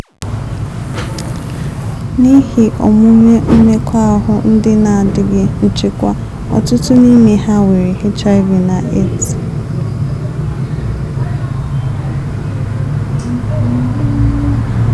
N'ihi omume mmekọahụ ndị na-adịghị nchekwa, ọtụtụ n'ime ha nwere HIV na AIDS.